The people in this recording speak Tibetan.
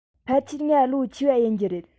ཕལ ཆེར ང ལོ ཆེ བ ཡིན རྒྱུ རེད